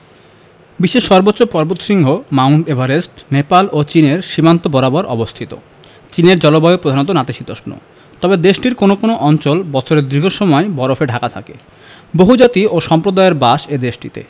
বিশ্বের সর্বোচ্চ পর্বতশৃঙ্গ মাউন্ট এভারেস্ট নেপাল ও চীনের সীমান্ত বরাবর অবস্থিত চীনের জলবায়ু প্রধানত নাতিশীতোষ্ণ তবে দেশটির কোনো কোনো অঞ্চল বছরের দীর্ঘ সময় বরফে ঢাকা থাকে বহুজাতি ও সম্প্রদায়ের বাস এ দেশটিতে